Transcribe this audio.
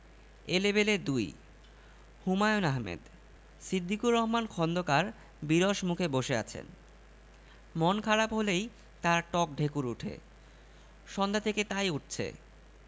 এলেবেলে ২ হুমায়ূন আহমেদ সিদ্দিকুর রহমান খন্দকার বিরস মুখে বসে আছেন মন খারাপ হলেই তাঁর টক ঢেকুর ওঠে সন্ধ্যা থেকে তাই উঠছে